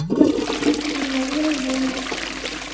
у меня день рождения